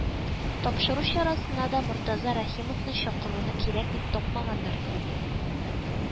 Тапшыру чарасына да Мортаза Рәхимовны чакыруны кирәк дип тапмаганнар